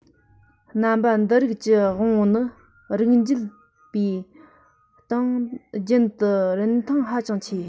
རྣམ པ འདི རིགས ཀྱི དབང པོ ནི རིགས འབྱེད པའི སྟེང རྒྱུན དུ རིན ཐང ཧ ཅང ཆེ